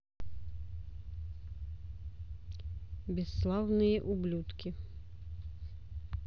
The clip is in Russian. бесславные ублюдки